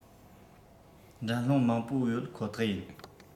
འགྲན སློང མང པོ ཡོད ཁོ ཐག ཡིན